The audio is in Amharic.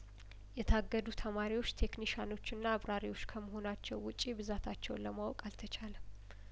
የታገዱ ተማሪዎች ቴክኒሺያኖችና አብራሪዎች ከመሆ ናቸው ውጭ ብዛታቸውን ለማወቅ አልተቻለም